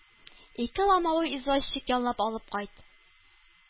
Ике ломовой извозчик яллап алып кайт!